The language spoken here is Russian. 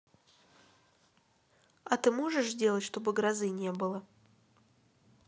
а ты можешь сделать чтобы грозы не было